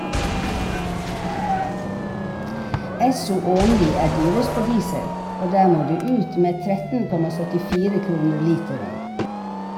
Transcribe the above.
Esso Åmli er dyrest på diesel, og der må du ut med 13,74 kroner literen.